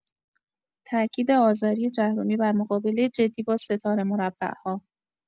تاکید آذری جهرمی بر مقابله جدی با «ستاره مربع‌ها»